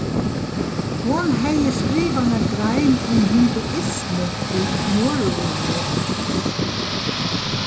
hon hevði skrivað eina grein um hinduismu í norðureuropa